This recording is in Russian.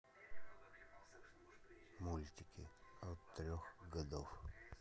мультики от трех годов